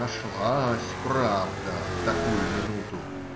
Нашлась правда в такую минуту!